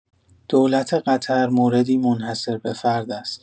دولت قطر موردی منحصر به فرد است.